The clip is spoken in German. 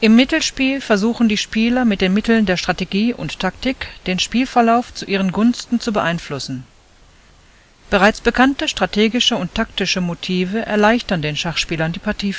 Mittelspiel versuchen die Spieler mit den Mitteln der Strategie und Taktik den Spielverlauf zu ihren Gunsten zu beeinflussen. Bereits bekannte strategische und taktische Motive erleichtern den Schachspielern die Partieführung